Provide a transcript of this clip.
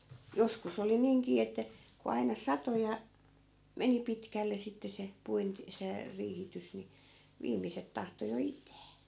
joskus oli niinkin että kun aina satoi ja meni pitkälle sitten se - se riihitys niin viimeiset tahtoi jo itää